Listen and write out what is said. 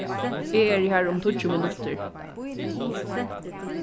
eg eri har um tíggju minuttir